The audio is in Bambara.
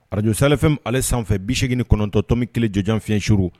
Arajo safɛn ale sanfɛ bi8gin kɔnɔntɔntɔmmi kelen jɔjanfiysur